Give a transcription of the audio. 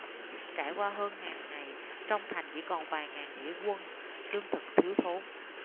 trải qua hơn ngàn ngày trong thành chỉ còn vài ngàn nghĩa quân lương thực thiếu thốn